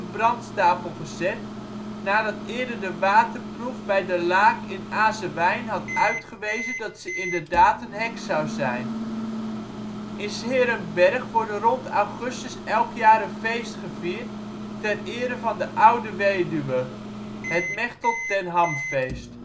brandstapel gezet nadat eerder de waterproef bij De Laak in Azewijn had uitgewezen dat ze inderdaad een heks zou zijn. In ' s-Heerenberg wordt rond augustus elk jaar een feest gevierd ter ere van de oude weduwe (het Mechteld Ten Ham-feest